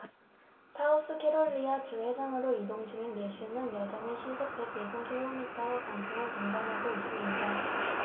사우스캐롤리아 주 해상으로 이동 중인 매슈는 여전히 시속 백 예순 킬로미터의 강풍을 동반하고 있습니다